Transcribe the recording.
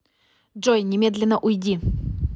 джой немедленно уйди